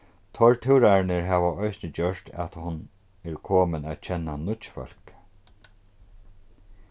teir túrarnir hava eisini gjørt at hon er komin at kenna nýggj fólk